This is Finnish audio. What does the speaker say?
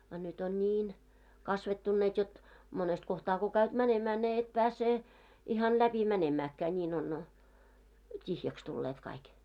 a nyt on niin kasvettunneet jotta monesta kohtaa kun käyt menemään sinä et pääse ihan läpi menemäänkään niin on tyhjäksi tulleet kaikki